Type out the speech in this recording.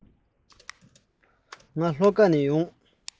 ང ལྷོ ཁ ནས ཡོང པ ཡིན